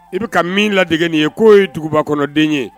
I bɛ ka min latigɛ nin ye k'o ye duguba kɔnɔden ye